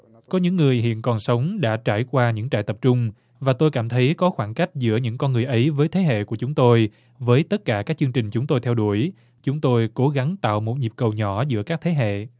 có những người hiện còn sống đã trải qua những trại tập trung và tôi cảm thấy có khoảng cách giữa những con người ấy với thế hệ của chúng tôi với tất cả các chương trình chúng tôi theo đuối chúng tôi cố gắng tạo một nhịp cầu nhỏ giữa các thế hệ